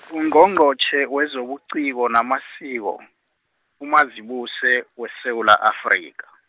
Ungqongqotjhe wezobuciko namasiko, uMazibuse, weSewula Afrika.